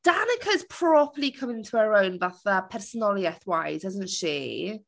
Danica's properly coming to her own fatha personoliaeth wise isn't she?